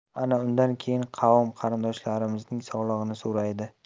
ana undan keyin qavm qarindoshlarimizning sog'lig'ini so'raydi